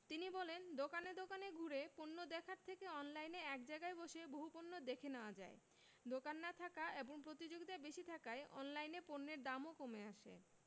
তিনি বলেন দোকানে দোকানে ঘুরে পণ্য দেখার থেকে অনলাইনে এক জায়গায় বসে বহু পণ্য দেখে নেওয়া যায় দোকান না থাকা এবং প্রতিযোগিতা বেশি থাকায় অনলাইনে পণ্যের দামও কমে আসে